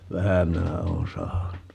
vähän minä olen sahannut